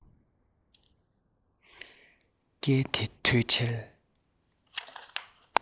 སྐད དེ ཐོས འཕྲལ